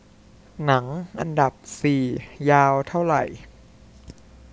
หนังอันดับสี่ยาวเท่าไหร่